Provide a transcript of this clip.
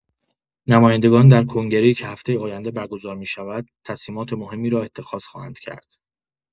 نمایندگان در کنگره‌ای که هفته آینده برگزار می‌شود، تصمیمات مهمی را اتخاذ خواهند کرد.